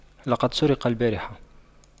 لقد سرق البارحة